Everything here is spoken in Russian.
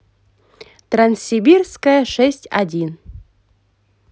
транссибирская шесть один